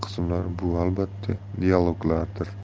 qismlari bu albatta dialoglardir